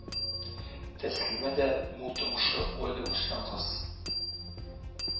Тәслимә дә мул тормышы гаиләдә үскән кыз